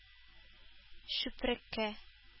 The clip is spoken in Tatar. Чүпрәккә